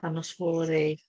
A nos fory.